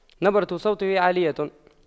نبرة صوته عالية